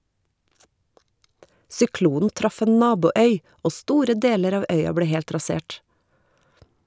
Syklonen traff en naboøy, og store deler av øya ble helt rasert.